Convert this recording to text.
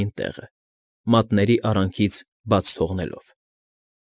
Էին տեղը՝ մատների արանքից բաց թողնելով։